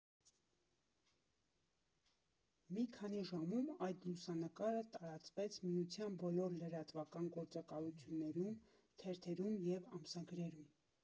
Մի քանի ժամում այդ լուսանկարը տարածվեց Միության բոլոր լրատվական գործակալություններում, թերթերում և ամսագրերում։